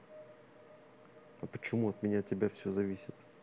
а почему от меня тебя все зависит